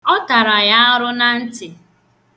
Ọ tara ya arụ na ntị.